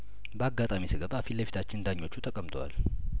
በአጋጣሚ ስገባ ፊት ለፊታችን ዳኞቹ ተቀምጠዋል